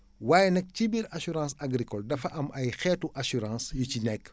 waaye nag ci biir assurance agricole dafa am ay xeetu assurance yu ci nekk